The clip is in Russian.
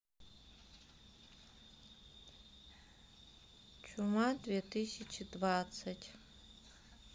чума две тысячи двадцать